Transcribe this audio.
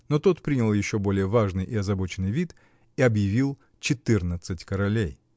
но тот принял еще более важный и озабоченный вид и объявил четырнадцать королей.